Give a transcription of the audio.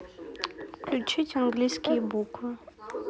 как включить английские буквы